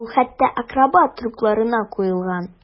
Ул хәтта акробат трюкларына куелган.